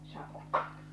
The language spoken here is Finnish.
saukko